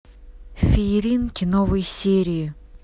фееринки новые серии